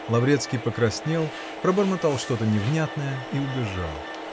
Лаврецкий покраснел, пробормотал что-то невнятное и убежал.